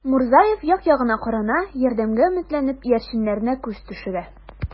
Мурзаев як-ягына карана, ярдәмгә өметләнеп, иярченнәренә күз төшерә.